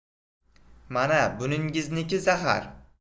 mana buningizniki zahar